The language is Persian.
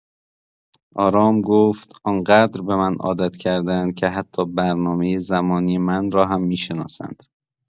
آرام گفت: آن‌قدر به من عادت کرده‌اند که حتا برنامه زمانی من را هم می‌شناسند».